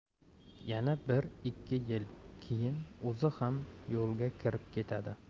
yana bir ikki yil keyin uzi xam yulga kirib ketadi